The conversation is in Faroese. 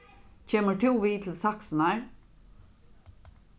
kemur tú við til saksunar